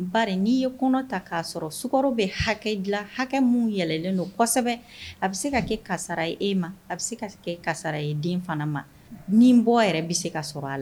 N' ye taa bɛ hakɛ dilan hakɛ minɛlɛnlen don a bɛ se kɛ karisa e ma bɛ se karisa ye den fana ma ni bɛ se a la